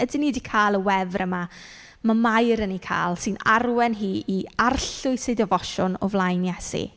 Ydyn ni 'di cael y wefr yma ma' Mair yn ei cael sy'n arwain hi i arllwys ei defosiwn o flaen Iesu?